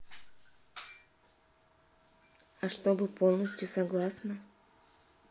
а чтобы полностью согласна